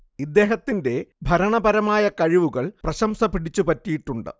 ഇദ്ദേഹത്തിന്റെ ഭരണപരമായ കഴിവുകൾ പ്രശംസ പിടിച്ചുപറ്റിയിട്ടുണ്ട്